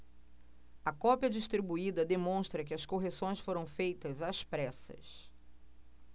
a cópia distribuída demonstra que as correções foram feitas às pressas